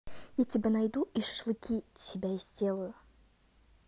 я тебя найду и шашлыки себя сделают